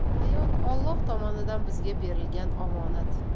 hayot olloh tomonidan bizga berilgan omonat